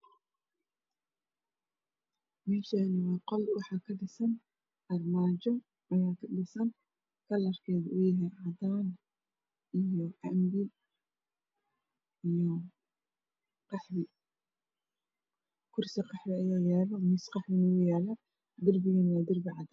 Meshani waa qol waxa kadhisan armaajo ayaa ka dhisan kalarkedu uyahay cadaan iyo cambe iyo qaxwi kursi qaxwi ayaa yaalo miis qaxwina wuyalaa darbigana waa darbi cadaan